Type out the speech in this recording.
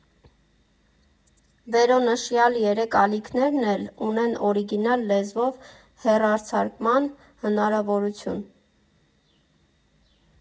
Վերոնշյալ երեք ալիքներն էլ ունեն օրիգինալ լեզվով հեռարձակման հնարավորություն։